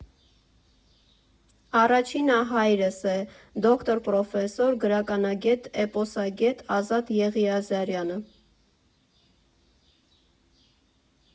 Առաջինը հայրս է՝ դոկտոր պրոֆեսոր, գրականագետ, էպոսագետ Ազատ Եղիազարյանը։